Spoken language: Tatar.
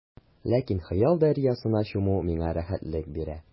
Ләкин хыял дәрьясына чуму миңа рәхәтлек бирә.